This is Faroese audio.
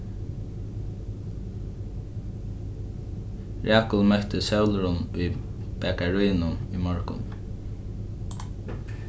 rakul møtti sólrun í bakarínum í morgun